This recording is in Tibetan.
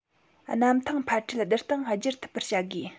གནས ཐང འཕར ཁྲལ བསྡུ སྟངས སྒྱུར ཐུབ པར བྱ དགོས